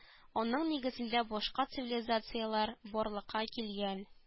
Аның нигезендә башка цивилизацияләр барлыкка килгән